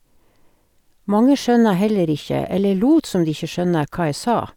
Mange skjønte heller ikke, eller lot som de ikke skjønte, hva jeg sa.